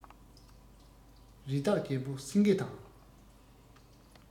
རི དྭགས རྒྱལ པོ སེང གེ དང